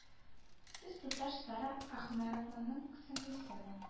Сез туташ сара әхмәрованың сеңлесеме